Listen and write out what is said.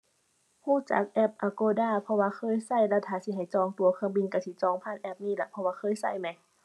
รู้จักแอป Agoda เพราะว่าเคยรู้ แล้วถ้าสิให้จองตั๋วเครื่องบินรู้สิจองผ่านแอปนี่ล่ะ เพราะว่าเคยรู้แหมะ